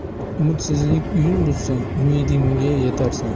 umidsizlik uyin buzsang umidingga yetarsan